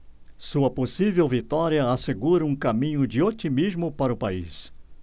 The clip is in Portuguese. sua possível vitória assegura um caminho de otimismo para o país